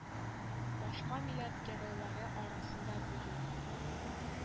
Башка милләт геройлары арасында бу юк